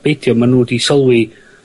be' 'di o ma' nw 'di sylwi...